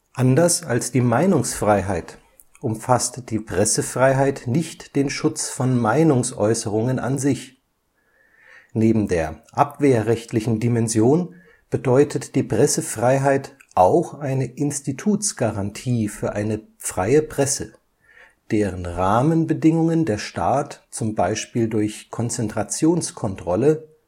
Anders als die Meinungsfreiheit umfasst die Pressefreiheit nicht den Schutz von Meinungsäußerungen an sich. Neben der abwehrrechtlichen Dimension bedeutet die Pressefreiheit auch eine Institutsgarantie für eine freie Presse, deren Rahmenbedingungen der Staat zum Beispiel durch Konzentrationskontrolle